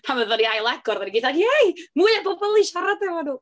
Pan fyddan ni'n ail-agor, fyddan ni gyd fatha, "Iei, mwy o bobl i siarad efo nhw!"